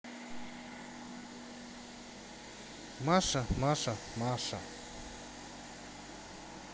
маша маша маша